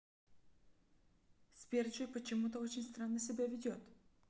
сбер джой почему то очень странно себя ведет